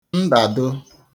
ndàdo